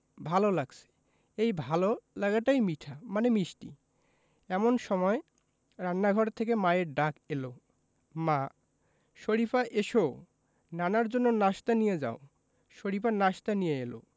ভালো লাগছে এই ভালো লাগাটাই মিঠা মানে মিষ্টি এমন সময় রান্নাঘর থেকে মায়ের ডাক এলো মা শরিফা এসো নানার জন্য নাশতা নিয়ে যাও শরিফা নাশতা নিয়ে এলো